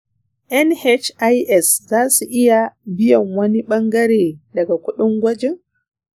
nhis zasu iya biyan wani bangare daga kudin kwajin.